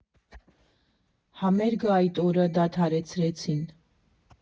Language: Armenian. Համերգը այդ օրը դադարեցրեցին։